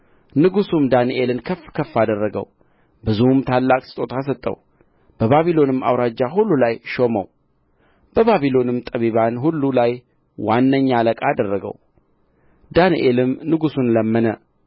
ንጉሡም ዳንኤልን ከፍ ከፍ አደርገው ብዙም ታላቅ ስጦታ ሰጠው በባቢሎንም አውራጃ ሁሉ ላይ ሾመው በባቢሎንም ጠቢባን ሁሉ ላይ ዋነኛ አለቃ አደረገው ዳንኤልም ንጉሡን ለመነ